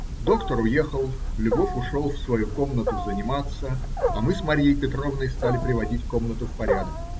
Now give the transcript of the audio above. Доктор уехал, Львов ушел в свою комнату заниматься, а мы с Марьей Петровной стали приводить комнату в порядок.